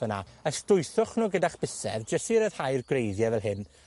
fyna. Ystwythwch nw gyda'ch bysedd, jyst i ryddhau'r gwreiddie fel hyn,